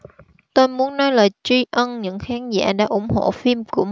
tôi muốn nói lời tri ân những khán giả đã ủng hộ phim của